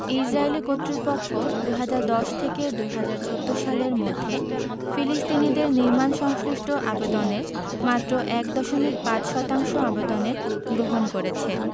ইসরাইলি কর্তৃপক্ষ ২০১০ থেকে ২০১৪ সালের মধ্যে ফিলিস্তিনিদের নির্মাণ সংশ্লিষ্ট আবেদনের মাত্র ১.৫ শতাংশ আবেদনের গ্রহণ করেছে